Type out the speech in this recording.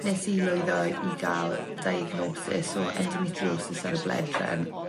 nes i lwyddo i ga'l diagnosis o endometriosis yr y bledren,